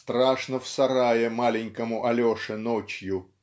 Страшно в сарае маленькому Алеше ночью